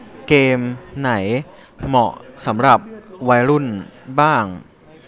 เกมไหนเหมาะสำหรับวัยรุ่นบ้าง